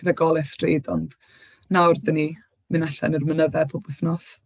gyda golau stryd, ond nawr dan ni mynd allan i'r mynyddau pob wythnos.